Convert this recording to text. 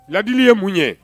Ladili ye mun ye